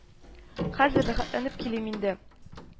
Хәзер рәхәтләнеп килим инде